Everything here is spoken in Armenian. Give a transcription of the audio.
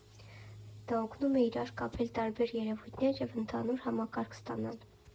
Դա օգնում է իրար կապել տարբեր երևույթներ և ընդհանուր համակարգ ստանալ։